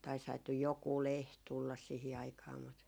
- nyt joku lehti tulla siihen aikaan mutta